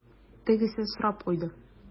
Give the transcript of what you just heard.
Тегесе сорап куйды: